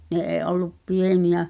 ne ei ollut pieniä